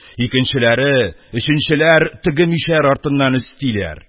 Икенчеләр, өченчеләр теге мишәр артыннан өстиләр.